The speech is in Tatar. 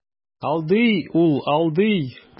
Алдый ул, алдый.